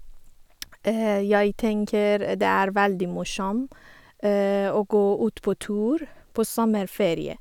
Jeg tenker det er veldig morsom å gå ut på tur på sommerferie.